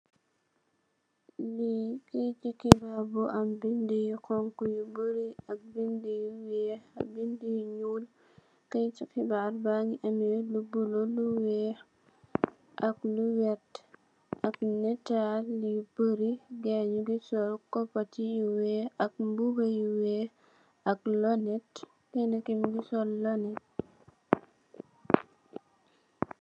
Lee keyete hebarr yu am bede yu xonxo yu bory ak bede yu weex ak bede yu nuul keyete hebarr bage am lu bulo lu weex ak lu werte ak natal yu bory gaye nuge sol cupate yu weex ak muba yu weex ak lunet kenake muge sol lunet.